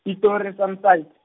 -Pitori Sunnyside.